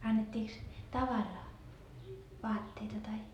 annettiinkos tavaraa vaatteita tai